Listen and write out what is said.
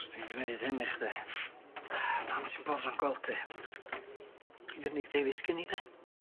Os d'i'n gneud hyn i chdi pam ti'n boddran gweld. i 'di'r unig deulu sgin i de?